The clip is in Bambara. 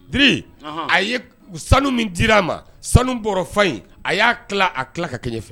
Diri Ɔhɔn a ye sanu min dira a ma sanu bɔrɔ fa in a ya kilan a kilan ka kɛɲɛ.